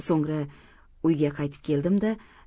so'ngra uyga qaytib keldim da